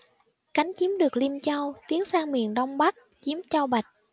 cánh chiếm được liêm châu tiến sang miền đông bắc chiếm châu bạch